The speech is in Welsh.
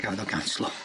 Gafodd o ganslo.